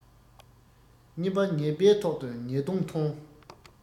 གཉིས པ ཉེས པའི ཐོག ཏུ ཉེས རྡུང ཐོང